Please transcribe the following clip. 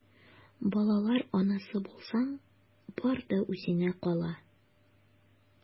Балалар анасы булсаң, бар да үзеңә кала...